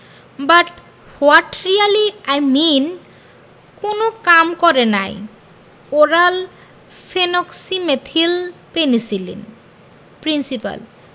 but what really I mean কোন কাম করে নাই ওরাল ফেনোক্সিমেথিল পেনিসিলিন প্রিন্সিপাল